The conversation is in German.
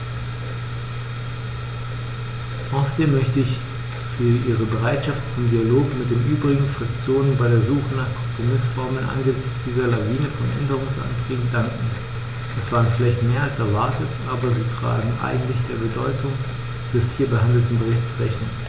Außerdem möchte ich ihr für ihre Bereitschaft zum Dialog mit den übrigen Fraktionen bei der Suche nach Kompromißformeln angesichts dieser Lawine von Änderungsanträgen danken; es waren vielleicht mehr als erwartet, aber sie tragen eigentlich der Bedeutung des hier behandelten Berichts Rechnung.